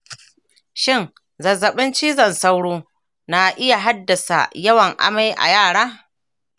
shin zazzaɓin cizon sauro na iya haddasa yawan amai a yara